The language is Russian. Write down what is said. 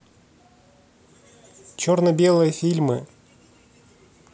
черно белые фильмы